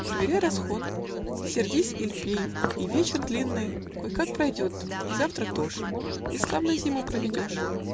- поверяй расход, Сердись иль пей, и вечер длинный Кой-как пройдет, а завтра тож, И славно зиму проведешь.